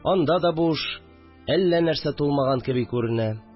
Анда да буш, әллә нәрсә тулмаган кеби күренә